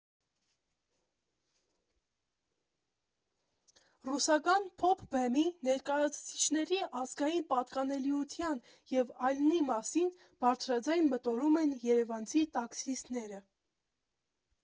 Ռուսական փոփ֊բեմի ներկայացուցիչների ազգային պատկանելության և այլնի մասին բարձրաձայն մտորում են երևանցի տաքսիստները։